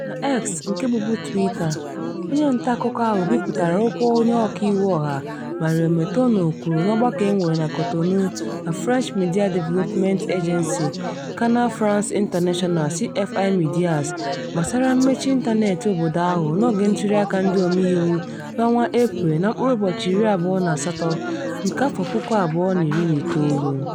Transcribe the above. Na X (nke bụbu Twitter), onye ntaakụkọ ahụ bipụtara okwu onye ọkàiwu ọha, Mario Metonou, kwuru n'ọgbakọ e nwere na Cotonou na French Media Development Agency, Canal France International (CFI Médias), gbasara mmechi ịntaneetị obodo ahụ n'oge ntuliaka ndị omeiwu n'Eprel 28, 2019.